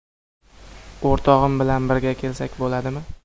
o'rtog'im bilan birga kelsak bo'ladimi